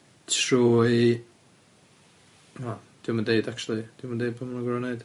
...trwy, wel, 'di o'm yn deud acshyli, 'di o'm yn deud be' ma' nw gor'o' neud.